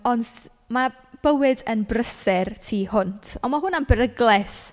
Ond s-... ma' bywyd yn brysur tu hwnt, ond ma' hwnna'n beryglus.